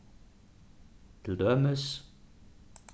til dømis